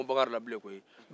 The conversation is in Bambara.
fa ma kun bakari la bilen koyi